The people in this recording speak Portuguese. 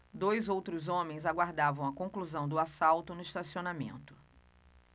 dois outros homens aguardavam a conclusão do assalto no estacionamento